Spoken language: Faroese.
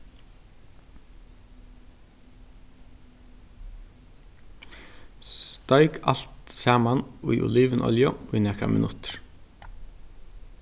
steik alt saman í olivinolju í nakrar minuttir